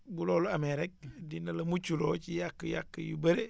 bu loolu amee rek dina la muccloo ci yàq-yàq yu bëre